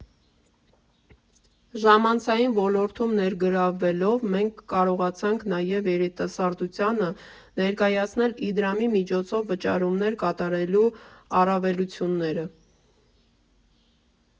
Ժամանցային ոլորտում ներգրավվելով՝ մենք կարողացանք նաև երիտասարդությանը ներկայացնել Իդրամի միջոցով վճարումներ կատարելու առավելությունները։